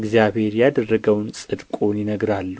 እግዚአብሔር ያደረገውን ጽድቁን ይነግራሉ